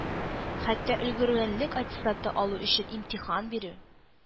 Хәтта өлгергәнлек аттестаты алу өчен имтихан бирү,